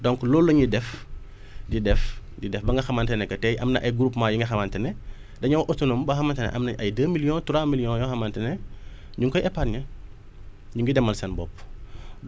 donc loolu la ñuy def di def di def ba nga xamante ne que tey am na ay groupement yi nga xamante ne dañoo autonome ba xamante ne am nañ ay deux millions trois millions yoo xamante ne ñu ngi koy épargner ñu ngi demal seen bopp